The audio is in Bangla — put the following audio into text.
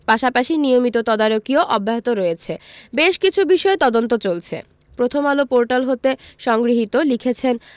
পাশাপাশি নিয়মিত তদারকিও অব্যাহত রয়েছে বেশ কিছু বিষয়ে তদন্ত চলছে প্রথমআলো পোর্টাল হতে সংগৃহীত লিখেছেন